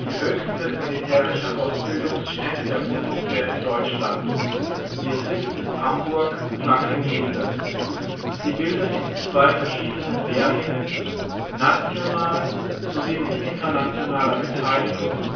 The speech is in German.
höchste militärische Ausbildungsstätte der Bundeswehr in Deutschland. Ihr Sitz ist Hamburg-Blankenese. Sie bildet in zwei verschiedenen Lehrgängen (national sowie mit internationaler Beteiligung